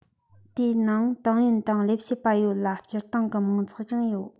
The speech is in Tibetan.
དེའི ནང ཏང ཡོན དང ལས བྱེད པ ཡོད ལ སྤྱིར བཏང གི མང ཚོགས ཀྱང ཡོད